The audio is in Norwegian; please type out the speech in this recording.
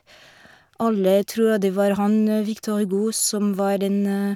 Alle tror at det var han, Victor Hugo, som var den...